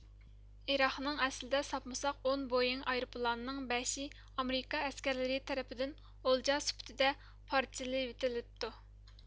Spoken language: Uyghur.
ئىراقنىڭ ئەسلىدە ساپمۇساق ئون بوئېڭ ئايروپىلانىنىڭ بەشى ئامېرىكا ئەسكەرلىرى تەرىپىدىن ئولجا سۈپىتىدە پارچىلىۋېتىلىپتۇ